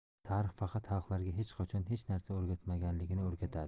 tarix faqat xalqlarga hech qachon hech narsa o'rgatmaganligini o'rgatadi